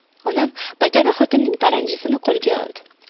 onam pakana xotinning paranjisini qo'lga oldi